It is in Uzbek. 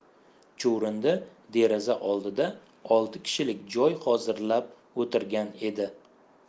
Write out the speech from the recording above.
chuvrindi deraza oldida olti kishilik joy hozirlab o'tirgan edi